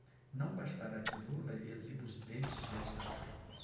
não bastará que lula exiba os dentes diante das câmeras